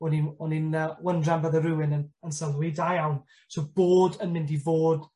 O'n i'n o'n i'n yy wyndran fydde rywun yn yn sylwi, da iawn. So bod yn mynd i fod.